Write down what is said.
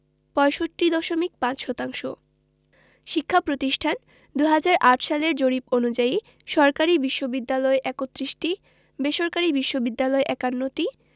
৬৫.৫ শতাংশ শিক্ষাপ্রতিষ্ঠানঃ ২০০৮ সালের জরিপ অনুযায়ী সরকারি বিশ্ববিদ্যালয় ৩১টি বেসরকারি বিশ্ববিদ্যালয় ৫১টি